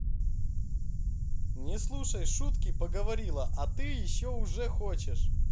не слушай шутки поговорила а ты еще уже хочешь